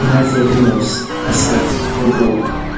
un ar ddeg y nos a saith o'r gloch